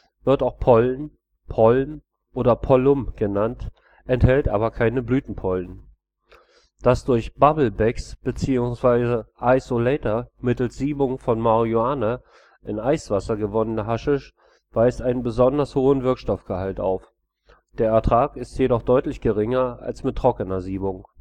wird auch Pollen, Polm oder Pollum genannt, enthält aber keine Blütenpollen. Das durch „ Bubble Bags “bzw. „ Ice-O-Lator “mittels Siebung von Marihuana in Eiswasser gewonnene Haschisch weist einen besonders hohen Wirkstoffgehalt auf; der Ertrag ist jedoch deutlich geringer als mit trockener Siebung